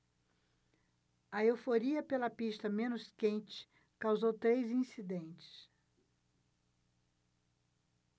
a euforia pela pista menos quente causou três incidentes